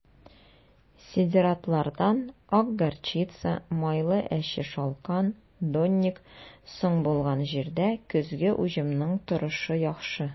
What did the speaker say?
Сидератлардан (ак горчица, майлы әче шалкан, донник) соң булган җирдә көзге уҗымның торышы яхшы.